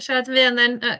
Siarad yn fuan then yy